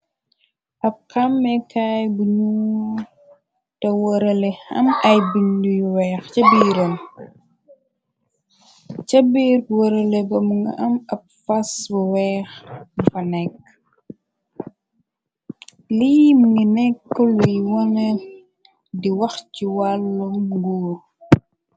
Ab xammekaay buñu te wërale am ay bind yu weex cbiiran ca biir wërale bamu nga am ab fas bu weex bu fa nekk liim ngi nekk luy wena di wax ci wàllu nguur.